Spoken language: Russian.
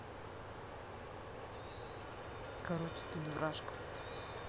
короче ты дурашка